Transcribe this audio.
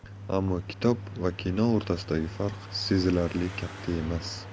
ammo kitob va kino o'rtasidagi farq sezilarli katta emas